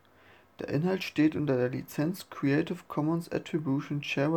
Der Inhalt steht unter der Lizenz Creative Commons Attribution Share